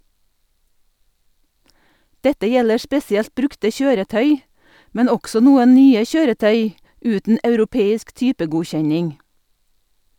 Dette gjelder spesielt brukte kjøretøy, men også noen nye kjøretøy uten europeisk typegodkjenning.